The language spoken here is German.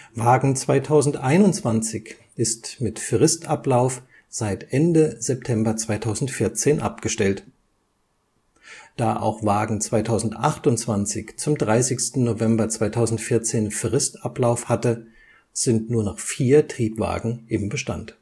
Wagen 2021 ist mit Fristablauf seit Ende September 2014 abgestellt. Da auch Wagen 2028 zum 30. November 2014 Fristablauf hatte, sind nur noch vier Triebwagen im Bestand